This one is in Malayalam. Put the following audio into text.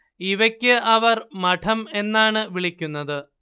ഇവയ്ക്ക് അവർ മഠം എന്നാണ് വിളിക്കുന്നത്